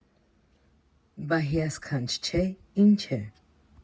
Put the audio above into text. Բա հիասքանչ չէ, ի՞նչ է…